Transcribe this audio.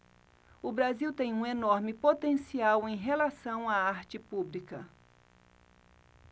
o brasil tem um enorme potencial em relação à arte pública